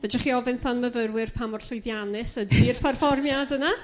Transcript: Fedrych chi ofyn 'than myfyrwyr pa mor llwyddiannus ydi'r pherfformiad yna.